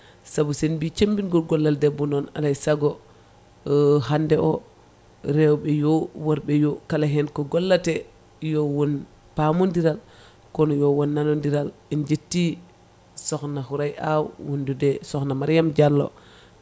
saabu sen mbi cembingol gollal debbo noon alay saago hande o rewɓe yo worɓe yo kala hen ko gollate yo won pamodiral kono yo won nanodiral en jetti sokhna Houraye Aw wondude sokhna Mariame Diallo